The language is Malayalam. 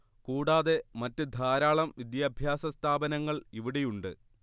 കൂടാതെ മറ്റ് ധാരാളം വിദ്യാഭ്യാസ സ്ഥാപനങ്ങൾ ഇവിടെയുണ്ട്